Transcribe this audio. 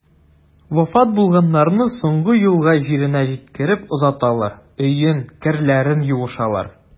Вафат булганнарны соңгы юлга җиренә җиткереп озаталар, өен, керләрен юышалар.